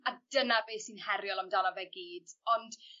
A dyna be' sy'n heriol amdano fe gyd ond